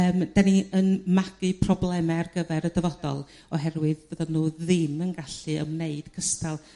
yrm 'dyn ni yn magu probleme ar gyfer y dyfodol oherwydd fyddan nhw ddim yn gallu ymwneud cystal